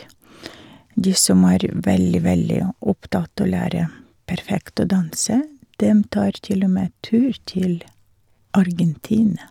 De som er veldig, veldig opptatt å lære perfekt å danse, dem tar til og med tur til Argentina.